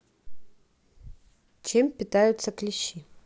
чем питаются клещи